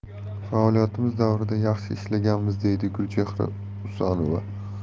faoliyatimiz davrida yaxshi ishlaganmiz deydi gulchehra usanova